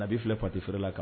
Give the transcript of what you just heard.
Na abi filɛ pati feere la kan